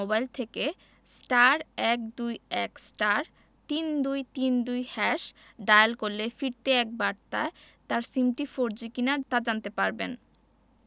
এ জন্য গ্রামীণফোনের গ্রাহকরা তাদের মোবাইল থেকে *১২১*৩২৩২# ডায়াল করলে ফিরতি এক বার্তায় তার সিমটি ফোরজি কিনা তা জানতে পারবেন